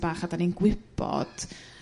bach a 'dan ni'n gwybod